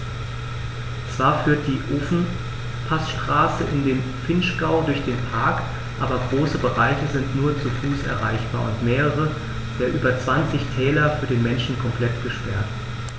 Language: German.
Zwar führt die Ofenpassstraße in den Vinschgau durch den Park, aber große Bereiche sind nur zu Fuß erreichbar und mehrere der über 20 Täler für den Menschen komplett gesperrt.